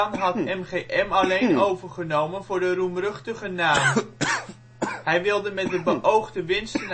had MGM alleen overgenomen voor de roemruchtige naam. Hij wilde met de beoogde winsten